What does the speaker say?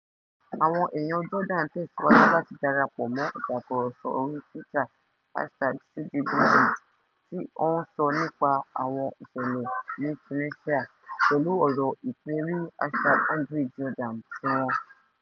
Àwọn èèyàn Jordan tẹ̀síwájú láti darapọ̀ mọ́ ìtàkúrọ̀sọ̀ orí Twitter #sidibouzid (tí ó ń sọ nípa àwọn ìṣẹ̀lẹ̀ ní Tunisia), pẹ̀lú ọ̀rọ̀ ìpèrí #angryjordan tiwọn.